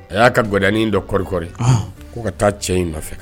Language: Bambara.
A y'a ka gin dɔ kɔrɔɔri kɔrɔɔri k' ka taa cɛ in nɔfɛ